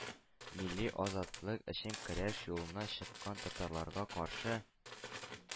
Милли азатлык өчен көрәш юлына чыккан татарларга каршы